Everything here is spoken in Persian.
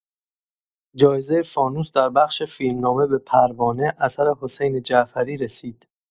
جایزه فانوس در بخش فیلمنامه به پروانه، اثر حسین جعفری رسید.